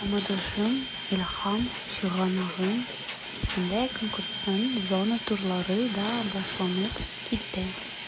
“мамадышым–илһам чыганагым” исемле конкурсның зона турлары да башланып китте.